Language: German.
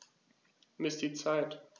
Miss die Zeit.